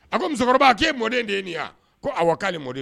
A ko musokɔrɔba ko e mɔden de ye nin wa ? ko awɔ kale mɔden don.